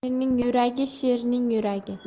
erning yuragi sherning yuragi